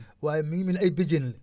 waaye mi ngi mel ni ay béjjén la